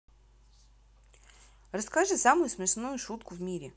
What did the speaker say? расскажи самую смешную шутку в мире